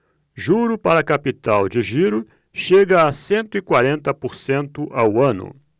juro para capital de giro chega a cento e quarenta por cento ao ano